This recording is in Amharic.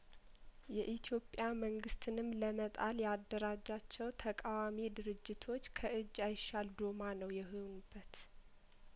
የኢትዮጵያ መንግስትንም ለመጣል ያደራጃቸው ተቃዋሚ ድርጅቶች ከእጅ አይሻል ዶማ ነው የሆኑበት